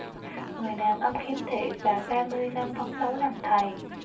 người đàn ông khiếm thị và ba mươi năm phấn đấu làm thầy